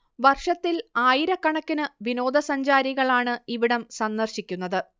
വർഷത്തിൽ ആയിരക്കണക്കിനു വിനോദസഞ്ചാരികളാണ് ഇവിടം സന്ദർശിക്കുന്നത്